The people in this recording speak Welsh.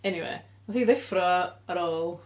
Eniwe, wnaeth hi ddeffro ar ôl...